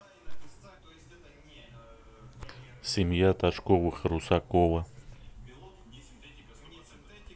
семья ташковых русакова